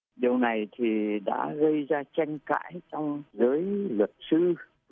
điều này thì đã gây ra tranh cãi trong giới luật sư